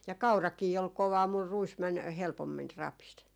ja kaurakin oli kovaa mutta ruis meni helpommin rapisi